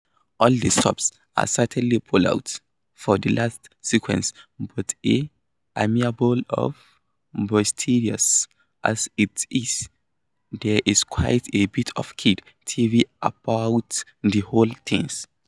All the stops are certainly pulled out for that last sequence, but as amiable and boisterous as it is, there's quite a bit of kids' TV about the whole thing.